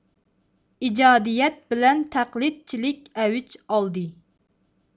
ئىجادىيەت بىلەن تەقلىدچىلىك ئەۋج ئالدى